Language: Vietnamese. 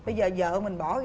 bây giờ vợ mình bỏ